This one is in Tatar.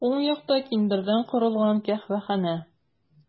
Уң якта киндердән корылган каһвәханә.